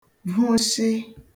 vụshị